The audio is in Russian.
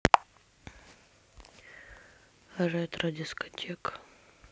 ретро дискотека